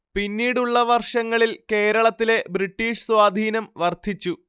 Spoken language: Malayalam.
പിന്നീടുള്ള വർഷങ്ങളിൽ കേരളത്തിലെ ബ്രിട്ടീഷ് സ്വാധീനം വർദ്ധിച്ചു